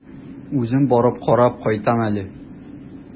Үзем барып карап кайтам әле.